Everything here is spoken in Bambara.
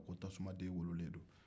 ko tasumanden wolonlen don